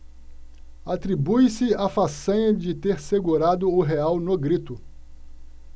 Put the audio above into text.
atribuiu-se a façanha de ter segurado o real no grito